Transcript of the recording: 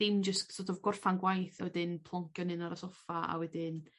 dim jys so't of gorffan gwaith a wedyn ploncio'n 'un ar y soffa a wedyn